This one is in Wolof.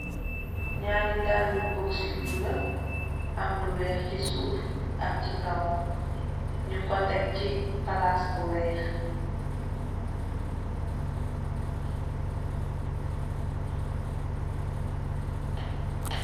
Njaari dalah boots yu bleu, am lu wekh chi suff ak chi kaw, njung kor tek chi plass bu wekh.